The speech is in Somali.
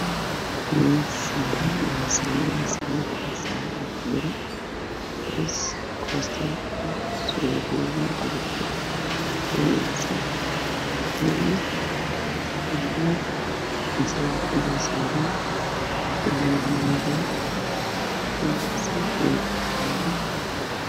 Waa labo saxan saaranyhiin kosto iyo bariis iyo basal